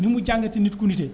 ni mu jàngatee nit ku nite